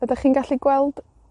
Ydach chi'n gallu gweld